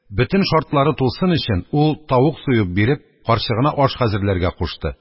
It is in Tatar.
Бөтен шартлары тулсын өчен, ул, тавык суеп биреп, карчыгына аш хәзерләргә кушты.